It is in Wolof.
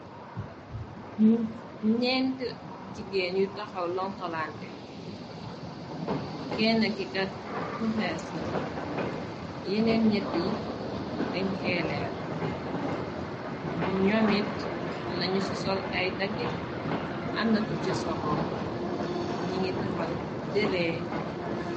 Nyeent jigéen yu taxaw lonkalante kenn kikat ku xees la yeneen ñett yi dañ xeeleer ñoomit amnañu sisol ay daggit amna kucce sorroog ni ngi taxaw deree.